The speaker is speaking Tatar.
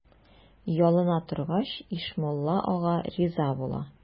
Ялына торгач, Ишмулла ага риза була.